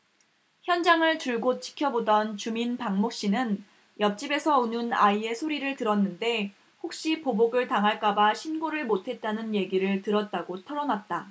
현장을 줄곧 지켜보던 주민 박모씨는 옆집에서 우는 아이의 소리를 들었는데 혹시 보복을 당할까봐 신고를 못했다는 얘기를 들었다고 털어놨다